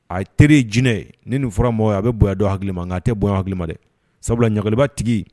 A teri ye jinɛ ye .Ni nin fɔra mɔgɔ ye a bɛ bonya dow hakilima nka a tɛ bonya hakilima dɛ sabula ɲagaleba tigi